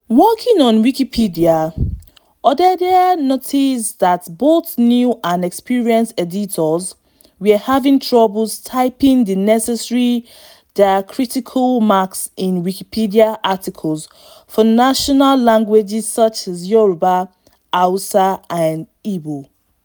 Working on Wikipedia, Odedere noticed that both new and experienced editors were having trouble typing the necessary diacritical marks in Wikipedia articles for national languages such as Yoruba, Hausa, and Igbo.